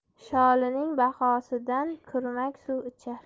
sholining bahonasida kurmak suv ichar